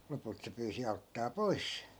lopulta se pyysi auttamaan pois